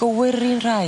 Gywir 'r un rhai.